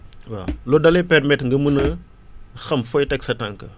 waaw loolu da lay permettre nga mën a xam fooy teg sa tànk